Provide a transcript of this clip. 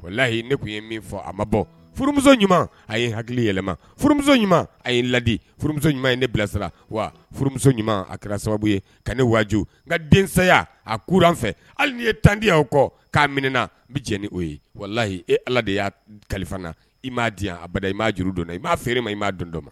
Wa layi ne tun ye min fɔ a ma bɔ furu ɲuman a ye hakili yɛlɛma furumuso ɲuman a ye ladi furumuso ɲuman ye ne bilasirara wa furumuso ɲuman a kɛra sababu ye ka ne waju n nka denya a k fɛ hali ye tandiya kɔ k'a minɛ n bɛ jɛ ni o ye wala lahiyi e ala de y'a kalifa na i m' diya a ba i m'a juru don i b'a feere ma i m'a dɔn dɔ ma